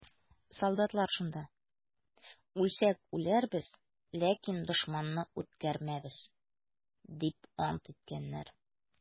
Солдатлар шунда: «Үлсәк үләрбез, ләкин дошманны үткәрмәбез!» - дип ант иткәннәр.